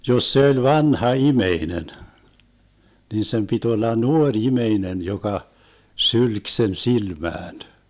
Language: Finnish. jos se oli vanha ihminen niin sen piti olla nuori ihminen joka sylki sen silmään